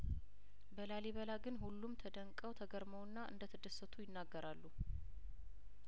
በላሊበላ ግን ሁሉም ተደንቀው ተገርመውና እንደተደሰቱ ይናገራሉ